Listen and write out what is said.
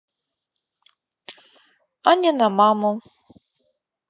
а не на маму